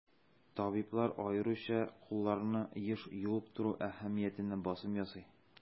Табиблар аеруча кулларны еш юып тору әһәмиятенә басым ясый.